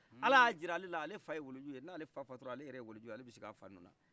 alaya jira alela ale faye waliyou ye na fa fatura ale yɛrɛye waliyouye ale bi sigi a fa nɔla